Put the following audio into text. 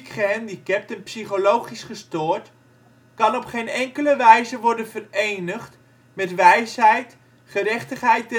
en psychologisch gestoord, kan op geen enkele wijze worden verenigd met wijsheid, gerechtigheid